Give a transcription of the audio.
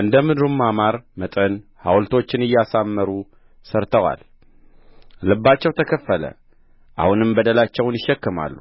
እንደ ምድሩም ማማር መጠን ሐውልቶችን እያሳመሩ ሠርተዋል ልባቸው ተከፈለ አሁንም በደላቸውን ይሸከማሉ